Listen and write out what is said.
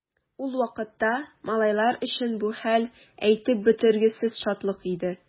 Ул вакытта малайлар өчен бу хәл әйтеп бетергесез шатлык иде.